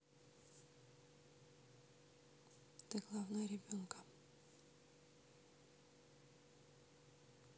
ты главная ребенка